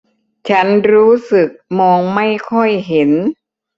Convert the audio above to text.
ฉันรู้สึกมองไม่ค่อยเห็น